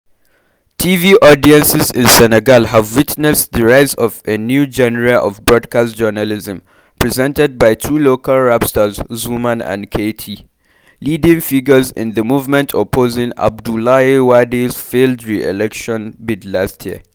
TV audiences in Senegal have witnessed the rise of a new genre of broadcast journalism, presented by two local rap stars Xuman (39) and Keyti (40), leading figures in the the movement opposing Abdoulaye Wade's failed re-election bid last year.